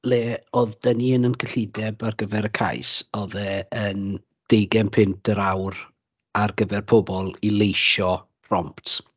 le oedd 'da ni yn ein cyllideb ar gyfer y cais, oedd e yn deugain punt yr awr ar gyfer pobl i leisio prompts.